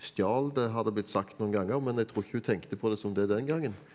stjal det har det blitt sagt noen ganger men jeg tror ikke hun tenkte på det som det den gangen.